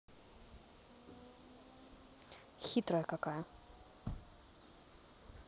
хитрая какая